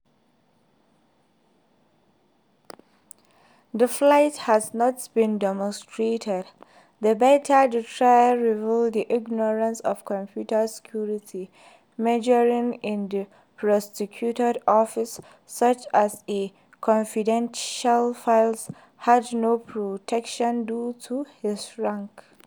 The flight has not been demonstrated, the better the trial revealed the ignorance of computer security measures in the prosecutor's office, such as a confidential file had no protection due to his rank.